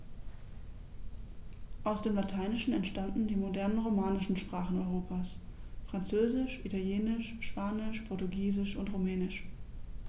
Aus dem Lateinischen entstanden die modernen „romanischen“ Sprachen Europas: Französisch, Italienisch, Spanisch, Portugiesisch und Rumänisch.